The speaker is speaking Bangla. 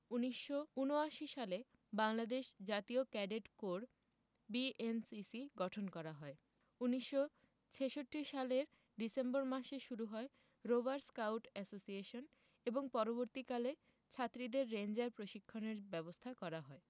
১৯৭৯ সালে বাংলাদেশ জাতীয় ক্যাডেট কোর বিএনসিসি গঠন করা হয় ১৯৬৬ সালের ডিসেম্বর মাসে শুরু হয় রোভার স্কাউট অ্যাসোসিয়েশন এবং পরবর্তীকালে ছাত্রীদের রেঞ্জার প্রশিক্ষণের ব্যবস্থা করা হয়